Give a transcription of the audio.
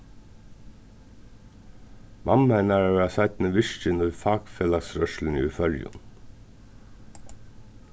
mamma hennara var seinni virkin í fakfelagsrørsluni í føroyum